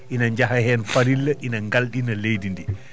ina njaha heen farilla ina ngalɗina leydi ndi